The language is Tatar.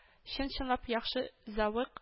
Чын-чынлап яхшы зәвык